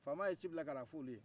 faama ye ci bila ka na f'uye